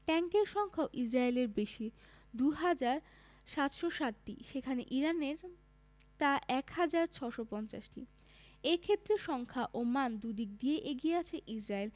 ট্যাংকের সংখ্যাও ইসরায়েলের বেশি ২ হাজার ৭৬০টি সেখানে ইরানের তা ১ হাজার ৬৫০টি এ ক্ষেত্রে সংখ্যা ও মান দুদিক দিয়েই এগিয়ে আছে ইসরায়েল